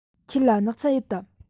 ཁྱེད ལ སྣག ཚ ཡོད དམ